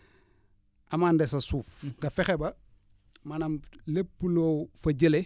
amander sa suuf nga fexe ba maanaam lépp loo fa jëlee